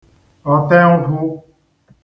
ọ̀ten̄kwụ̄